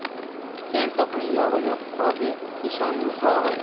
yantoqning yog'i yo'q qozi eshonning sog'i